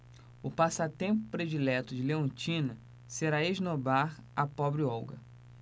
o passatempo predileto de leontina será esnobar a pobre olga